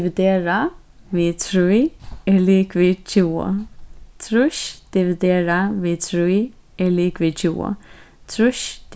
dividerað við trý er ligvið tjúgu trýss dividerað við trý er ligvið tjúgu trýss